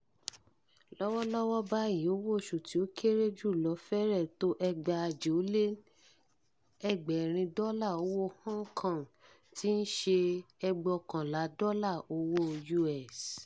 Lọ́wọ́lọ́wọ́ báyìí, owó oṣù tí ó kéré jù lọ fẹ́rẹ̀ tó $16,800 dọ́là owó Hong Kong tí ń ṣe ($2,200 dọ́là owó US).